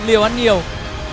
liều ăn nhiều